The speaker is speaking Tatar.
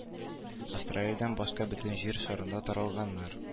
Австралиядән башка бөтен җир шарында таралганнар